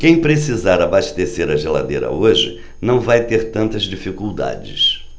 quem precisar abastecer a geladeira hoje não vai ter tantas dificuldades